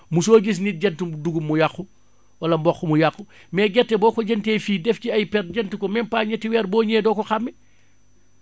moosoo gis nit denc dugub mu yàqu wala mboq mu yàqu mais gerte boo ko jëndee fii def ci ay per denc ko même pas ñetti weer boo ñëweee doo ko xàmme